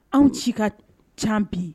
Anw ci ka ca bi